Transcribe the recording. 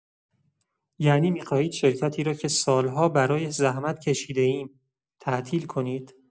یعنی می‌خواهید شرکتی را که سال‌ها برایش زحمت کشیده‌ایم، تعطیل کنید؟!